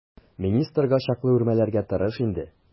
Министрга чаклы үрмәләргә тырыш инде.